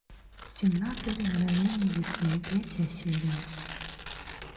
семнадцать мгновений весны третья серия